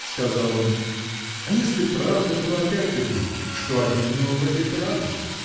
— сказал он, — а если правда, то опять-таки. что обидного в этой правде?